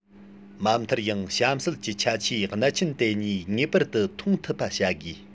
མ མཐར ཡང གཤམ གསལ གྱི ཁྱད ཆོས གནད ཆེན དེ གཉིས ངེས པར དུ མཐོང ཐུབ པ བྱ དགོས